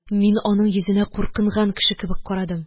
Мин аның йөзенә куркынган кеше кебек карадым.